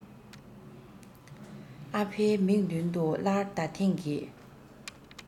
ཨ ཕའི མིག མདུན དུ སླར ད ཐེངས ཀྱི